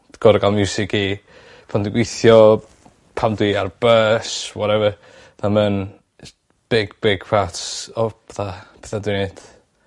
Gor'o' ga'l miwsig i pan dwi gwithio pan dwi ar bys wharever pan ma'n 's bib bib part o petha petha dwi'n neud.